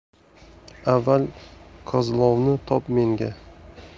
avval kozlovni top menga